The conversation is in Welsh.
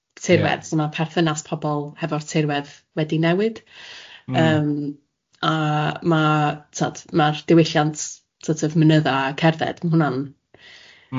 ...so ma' perthynas pobl hefo'r tirwedd wedi newid... Mm. ...yym a ma' tibod ma'r diwylliant sort of mynydda a cerdded ma' hwnna'n... Mm.